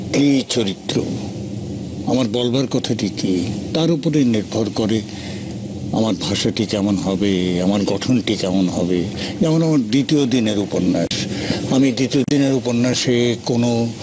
চরিত্র আমার বলবার কথাটি কি তার উপরে নির্ভর করে আমার ভাষাটি কেমন হবে আমার গঠনটি কেমন হবে যেমন আমার দ্বিতীয় দিনের উপন্যাস আমি দ্বিতীয় দিনের উপন্যাসে কোন